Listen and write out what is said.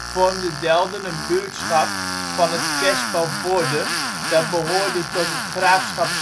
vormde Delden een buurschap van het kerspel Vorden dat behoorde tot het graafschap